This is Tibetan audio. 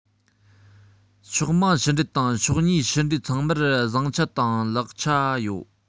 ཕྱོགས མང ཕྱི འབྲེལ དང ཕྱོགས གཉིས ཕྱི འབྲེལ ཚང མར བཟང ཆ དང ལེགས ཆ ཡོད